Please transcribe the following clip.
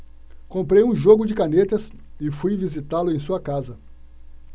comprei um jogo de canetas e fui visitá-lo em sua casa